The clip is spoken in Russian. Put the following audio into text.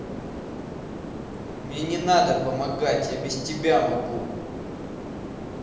мне не надо помогать я без тебя могу